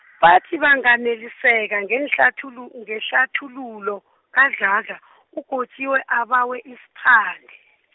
bathi banganeliseka ngenhlathulu- ngehlathululo kaDladla , uGotjiwe abawe isiphande.